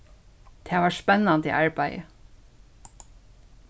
tað var spennandi arbeiði